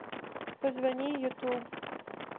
позвони youtube